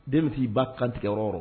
Den bɛ f'i ba kantigɛ yɔrɔ